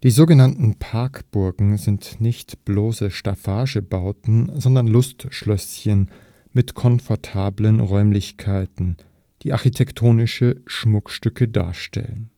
sogenannten Parkburgen sind nicht bloße Staffagebauten, sondern Lustschlösschen mit komfortablen Räumlichkeiten, die architektonische Schmuckstücke darstellen